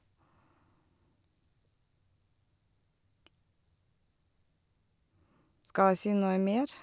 Skal jeg si noe mer?